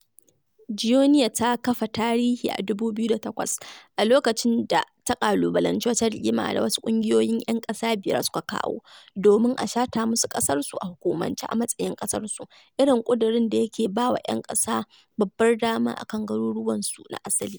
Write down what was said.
Joenia ta kafa tarihi a 2008 a lokacin da ta ƙalubalanci wata rigima da wasu ƙungiyoyin 'yan ƙasa biyar suka kawo, domin a shata musu ƙasarsu a hukumanci a matsayin ƙasarsu, irin ƙudurin da yake ba wa 'yan ƙasa babbar dama a kan garuruwansu na asali.